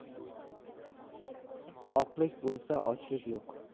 oqlik bo'lsa ochlik yo'q